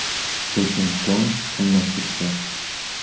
tekin to'n qimmatga tushar